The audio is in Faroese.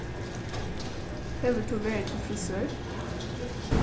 hevur tú verið til frisør